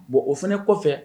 Bon o fana kɔfɛ